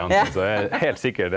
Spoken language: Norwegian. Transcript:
ja .